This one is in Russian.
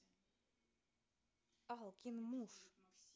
алкин муж